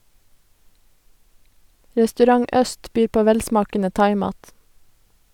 Restaurant Øst byr på velsmakende thaimat.